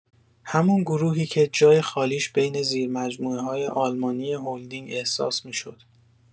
همون گروهی که جای خالیش بین زیر مجموعه‌های آلمانی هولدینگ احساس می‌شد